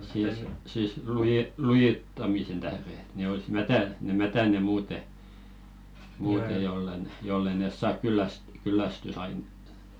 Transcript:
siis siis - lujittamisen tähden että ne olisi - ne mätänee muuten muuten jolla ne jos ei ne saa - kyllästysainetta